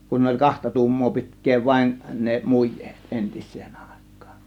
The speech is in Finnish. kun oli kahta tuumaa pitkää vain ne mujeet entiseen aikaan